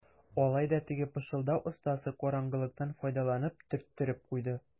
Алай да теге пышылдау остасы караңгылыктан файдаланып төрттереп куйды.